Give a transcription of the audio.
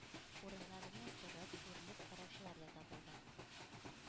Урыннарыннан торып, үрелеп караучылар да табылды.